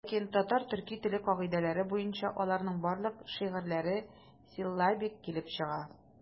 Ләкин татар-төрки теле кагыйдәләре буенча аларның барлык шигырьләре силлабик килеп чыга.